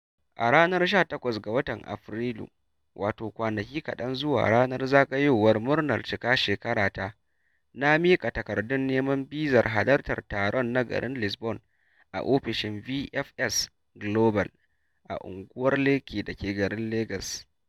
A ranar 18 ga watan Afrilu wato kwanaki kaɗan zuwa ranar zagayowar murnar cika shekara ta, na miƙa takardun neman bizar halartar taron na garin Lisbon a ofishin VFS Global a unguwar Lekki da ke garin Legas.